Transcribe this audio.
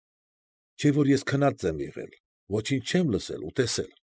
Չէ՞ որ ես քնած եմ եղել, ոչինչ չեմ լսել ու տեսել։